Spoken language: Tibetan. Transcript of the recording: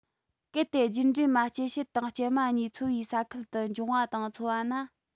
གལ ཏེ རྒྱུད འདྲེས མ སྐྱེད བྱེད དང སྐྱེད མ གཉིས འཚོ བའི ས ཁུལ དུ འབྱུང བ དང འཚོ བ ན